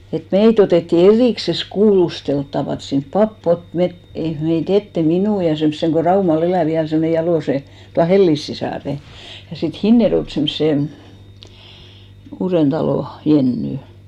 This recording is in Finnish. että meitä otettiin erikseen kuulusteltavaksi sinne pappi otti me ei meitä eteen minun ja semmoisen kun Raumalla elää vielä semmoinen Jalosen tuon Hellin sisaren ja sitten Hinnerjoelta semmoisen Uudentalon Jennyn